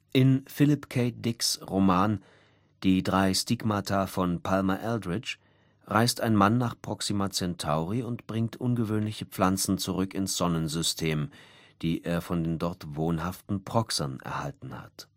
In Philip K. Dick Roman " Die drei Stigmata von Palmer Eldritch " reist ein Mann nach Proxima Centauri und bringt ungewöhnliche Pflanzen zurück ins Sonnensystem, die er von den dort wohnhaften " Proxern " erhalten hat